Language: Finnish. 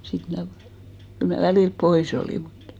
sitten minä kyllä minä välillä pois olin mutta